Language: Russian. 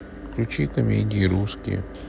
включи комедии русские